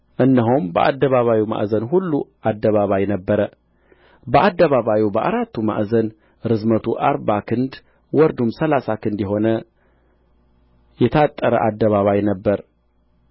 እነሆም በአደባባዩ ማዕዘን ሁሉ አደባባይ ነበረ በአደባባዩ በአራቱ ማዕዘን ርዝመቱ አርባ ክንድ ወርዱም ሠላሳ ክንድ የሆነ የታጠረ አደባባይ ነበረ